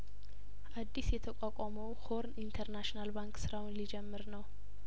አዲስ የተቋቋመው ሆርን ኢንተርናሽናል ባንክ ስራውን ሊጀምር ነው